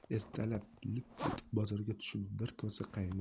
ertalab lip etib bozorga tushib bir kosa qaymoq